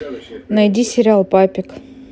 найди сериал папик